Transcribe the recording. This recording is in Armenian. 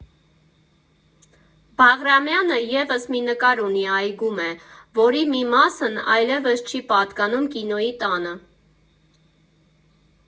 Բաղրամյանը ևս մի նկար ունի՝ այգում է, որի մի մասն այլևս չի պատկանում Կինոյի տանը։